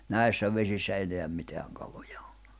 näissä vesissä enää mitään kaloja ole